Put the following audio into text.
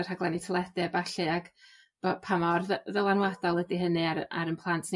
y rhaglenni teledu a ballu ag 'bo' pa mor ddy- ddylanwadol ydy hynny ar 'yn plant